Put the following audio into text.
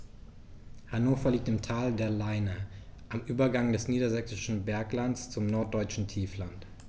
Hannover liegt im Tal der Leine am Übergang des Niedersächsischen Berglands zum Norddeutschen Tiefland.